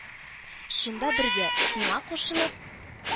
Шунда бергә, сиңа кушылып?